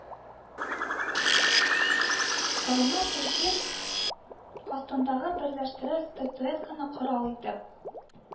Таймас җир астындагы бәрелештә статуэтканы корал итеп